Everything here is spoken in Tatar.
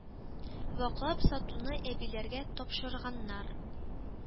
Ваклап сатуны әбиләргә тапшырганнар.